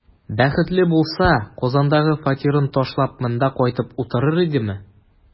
Бәхетле булса, Казандагы фатирын ташлап, монда кайтып утырыр идеме?